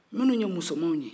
munnu ye musoniw ye